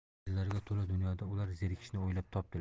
mo'jizalarga to'la dunyoda ular zerikishni o'ylab topdilar